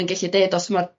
yn gellu deud os ma'r